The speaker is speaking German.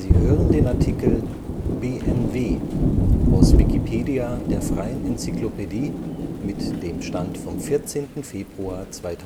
hören den Artikel BMW, aus Wikipedia, der freien Enzyklopädie. Mit dem Stand vom Der